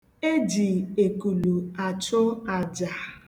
Eji ekulu achụ aja.